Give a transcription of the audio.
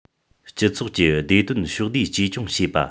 སྤྱི ཚོགས ཀྱི བདེ དོན ཕྱོགས བསྡུས བཅོས སྐྱོང བྱེད པ